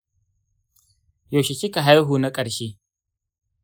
yaushe kika haihu na karshe